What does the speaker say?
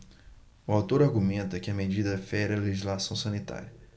o autor argumenta que a medida fere a legislação sanitária